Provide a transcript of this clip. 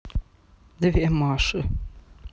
две маши